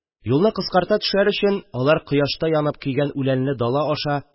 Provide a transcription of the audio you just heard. Юлны кыскарта төшәр өчен, алар кояшта янып көйгән үләнле дала аша